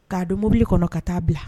K'a don mobile kɔnɔ ka taa bila.